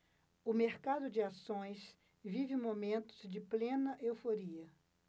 o mercado de ações vive momentos de plena euforia